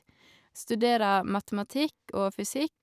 Studerer matematikk og fysikk.